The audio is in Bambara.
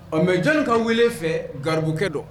Ɔ mais jɔnni ka weele fɛ garibukɛ dɔ?